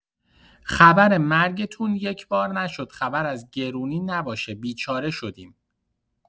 خبرمرگتون یکبار نشد خبر از گرونی نباشه بیچاره شدیم.